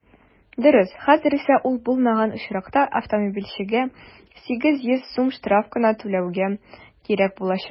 Дөрес, хәзер исә ул булмаган очракта автомобильчегә 800 сум штраф кына түләргә кирәк булачак.